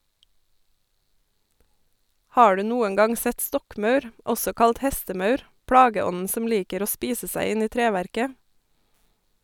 Har du noen gang sett stokkmaur , også kalt hestemaur, plageånden som liker å spise seg inn i treverket?